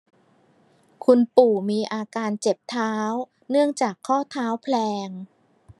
คุณปู่มีอาการเจ็บเท้าเนื่องจากข้อเท้าแพลง